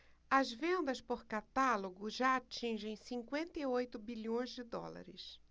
as vendas por catálogo já atingem cinquenta e oito bilhões de dólares